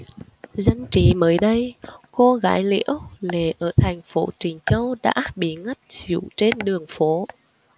dân trí mới đây cô gái liễu lệ ở thành phố trịnh châu đã bị ngất xỉu trên đường phố